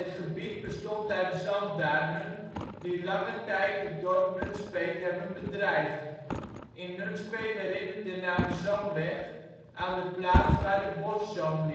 gebied bestond uit zandduinen, die lange tijd het dorp Nunspeet hebben bedreigd. In Nunspeet herinnert de naam Zoomweg aan de plaats waar de boszoom